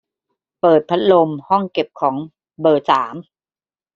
เปิดพัดลมห้องเก็บของเบอร์สาม